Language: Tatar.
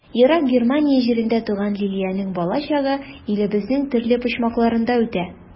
Ерак Германия җирендә туган Лилиянең балачагы илебезнең төрле почмакларында үтә.